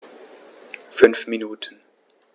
5 Minuten